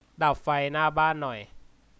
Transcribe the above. ดับไฟหน้าบ้านหน่อย